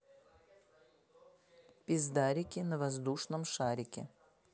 пиздарики на воздушном шарике